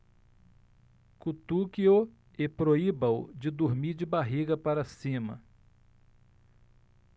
cutuque-o e proíba-o de dormir de barriga para cima